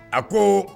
A ko